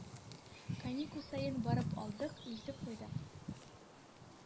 Каникул саен барып алдык, илтеп куйдык.